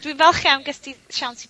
..dwi'n falch iawn ges ti siawns i